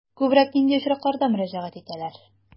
Күбрәк нинди очракларда мөрәҗәгать итәләр?